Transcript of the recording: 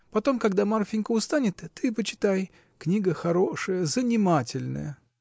Потом, когда Марфинька устанет, ты почитай. Книга хорошая, занимательная!